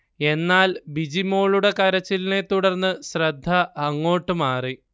എന്നാൽ ബിജി മോളുടെ കരച്ചിലിനെ തുടർന്ന് ശ്രദ്ധ അങ്ങോട്ട് മാറി